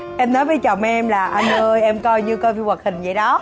em nói với chồng em là anh ơi em coi như coi phim hoạt hình vậy đó